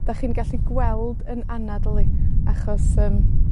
'Dach chi'n gallu gweld 'yn anadl i, achos, yym,